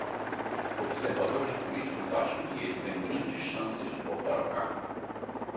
observadores políticos acham que ele tem grandes chances de voltar ao cargo